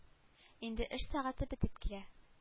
Инде эш сәгате бетеп килә